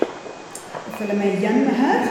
Jeg føler meg hjemme her.